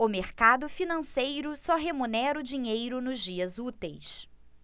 o mercado financeiro só remunera o dinheiro nos dias úteis